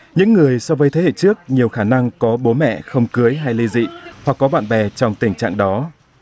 những người so với thế hệ trước nhiều khả năng có bố mẹ không cưới hay li dị hoặc có bạn bè trong tình trạng đó